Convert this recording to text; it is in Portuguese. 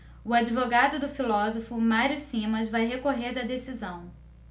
o advogado do filósofo mário simas vai recorrer da decisão